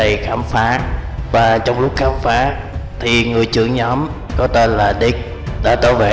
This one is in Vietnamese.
đến đây khám phá trong lúc khám phá thì người trưởng nhóm có tên là dick đã tỏ vẻ